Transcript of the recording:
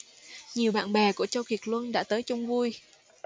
nhiều bạn bè của châu kiệt luân đã tới chung vui